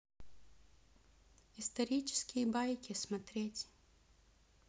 исторические байки смотреть